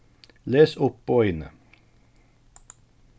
les upp boðini